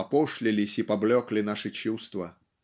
опошлились и поблекли наши чувства